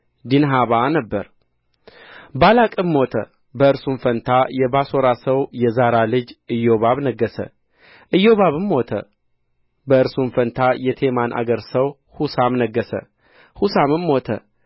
ዲንሃባ ነበረ ባላቅም ሞተ በእርሱም ፋንታ የባሶራ ሰው የዛራ ልጅ ኢዮባብ ነገሠ ኢዮባብም ሞተ በእርሱም ፋንታ የቴማን አገር ሰው ሑሳም ነገሠ ሑሳምም ሞተ